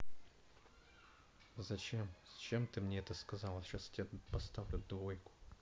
зачем зачем ты мне это сказал сейчас я тебе поставлю двойку